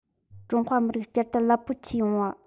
ཀྲུང ཧྭ མི རིགས བསྐྱར དར རླབས པོ ཆེ ཡོང བ